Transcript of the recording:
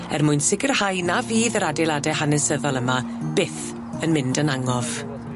er mwyn sicirhau na fydd yr adeilade hanesyddol yma byth yn mynd yn angof.